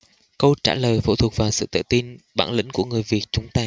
câu trả lời phụ thuộc vào sự tự tin bản lĩnh của người việt chúng ta